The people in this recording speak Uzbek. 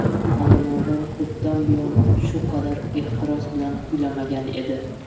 alimardon ko'pdan buyon shu qadar ehtiros bilan kuylamagan edi